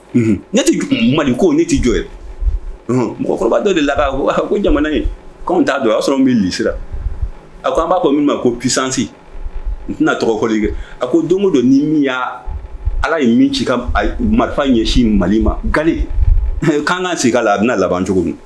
Un ne tɛ mali ko ne tɛ jɔ ye mɔgɔkɔrɔba dɔ de la ko jamana ye ko anwan t'a dɔn o y'a sɔrɔ n b' sira a ko an b'a ko min ma kosansi n tɛna tɔgɔkɔli kɛ a ko don o don ni min y' ala ye min ci ka marifa ɲɛsin mali ma gale'' sigi k'a la a bɛna laban cogo